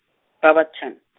Barberton.